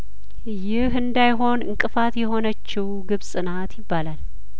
ይህ እንዳይሆን እንቅፋት የሆነችው ግብጽናት ይባላል